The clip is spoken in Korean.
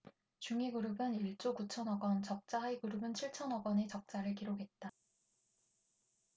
중위그룹은 일 조 구천 억원 적자 하위그룹은 칠천 억원 의 적자를 기록했다